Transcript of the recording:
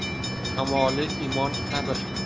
kamoli imon sabr